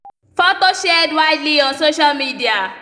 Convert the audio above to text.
Photo shared widely on social media.